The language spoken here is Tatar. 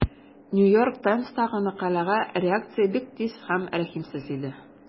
New York Times'тагы мәкаләгә реакция бик тиз һәм рәхимсез иде.